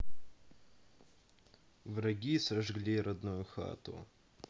враги сожгли родную хату